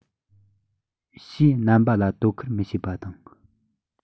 ཕྱིའི རྣམ པ ལ དོ ཁུར མི བྱེད པ དང